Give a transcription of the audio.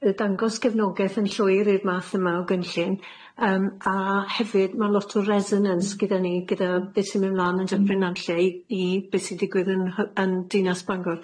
y dangos gefnogaeth yn llwyr i'r math yma o gynllun yym a hefyd ma' lot o resonance gyda ni gyda be sy'n myn' mlan yn Dyffryn Nanllte i i be' sy'n digwydd yn hy- yn dinas Bangor.